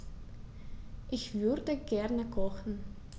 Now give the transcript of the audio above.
Ich würde gerne kochen.